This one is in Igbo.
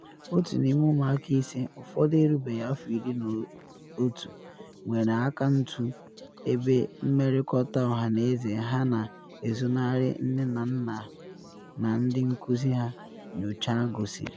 Otu n’ime ụmụaka ise - ụfọdụ erubeghị afọ 11 - nwere akaụntụ ebe mmerịkọta ọhaneze ha na ezonarị nne na nna na ndị nkuzi ha, nyocha gosiri